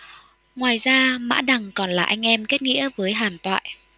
ngoài ra mã đằng còn là anh em kết nghĩa với hàn toại